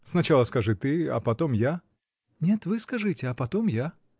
— Сначала скажи ты, а потом я. — Нет, вы скажите, а потом я.